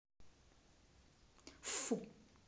фу